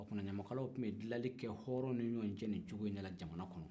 o tumana ɲamakalaw tun bɛ dilanni kɛ hɔrɔnw ni ɲɔgɔncɛ in cogo in de la jamana kɔnɔ